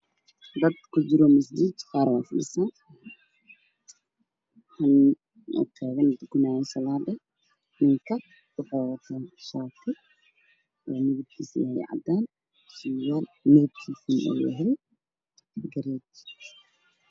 Dadka ku jiro musliminta qar waa san ninka wuxu wataa shaati cadan io midkale midab kisu yahay grete